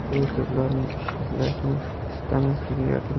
bu esa ularning ish izlashni istamasligi yoki